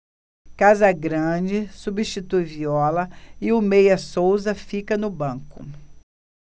casagrande substitui viola e o meia souza fica no banco